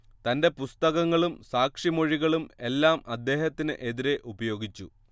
തന്റെ പുസ്തകങ്ങളും സാക്ഷിമൊഴികളും എല്ലാം അദ്ദേഹത്തിന് എതിരെ ഉപയോഗിച്ചു